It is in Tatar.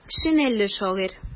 Шинельле шагыйрь.